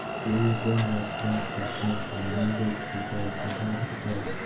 go'yo bir narsadan xursand bo'lgandek ko'zlari chaqnab ketardi